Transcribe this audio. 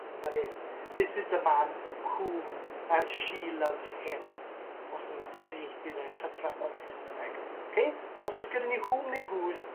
yn fan 'yn. This is the man whom er she loves him. Os ni'n cyfieithu fe yn llythrennol i'r Sysneg. Oce? So os o's gyda ni whom neu who's